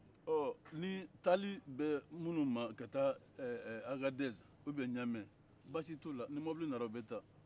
ni taali bɛ minnu ma ka taa akadɛzi walima ɲamɛ baasi t'o la ni mobili nan'u bɛ taa